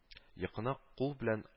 Йокыны кул белән